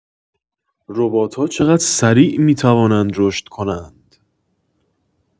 ربات‌ها چقدر سریع می‌توانند رشد کنند؟